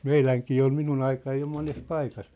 meidänkin oli minun aikana jo monessa paikassa